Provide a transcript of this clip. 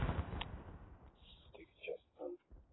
тихий час сценка